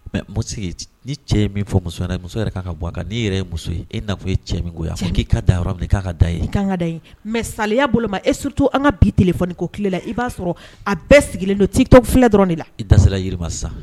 Sigi ni cɛ min fɔ muso muso yɛrɛ' ka bɔ a n'i yɛrɛ ye muso ye e na ye cɛ min yan k'i ka da yɔrɔ min k'a ka da ye i' ka da ɲi mɛ saya bolo ma e sutu an ka bi tile fɔ ko tile la i b'a sɔrɔ a bɛɛ sigilen don ttɔ filɛ dɔrɔn la i da se yiriba sa